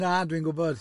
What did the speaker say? Na, dwi'n gwybod.